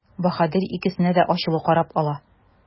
Баһадир икесенә дә ачулы карап ала.